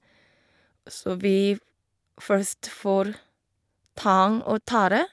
Så vi v først får tang og tare.